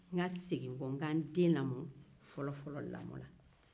n ka segin n kɔ ka n den lamɔ fɔlɔ fɔlɔ lamɔ la